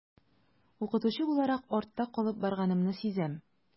Укытучы буларак артта калып барганымны сизәм.